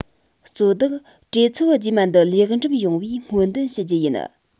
གཙོ བདག གྲོས ཚོགས རྗེས མ འདི ལེགས འགྲུབ ཡོང བའི སྨོན འདུན ཞུ རྒྱུ ཡིན